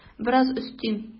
Бераз өстим.